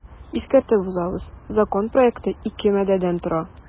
Искәртеп узабыз, закон проекты ике маддәдән тора.